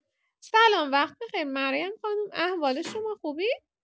سلام وقت بخیر مریم خانم احوال شما خوبید.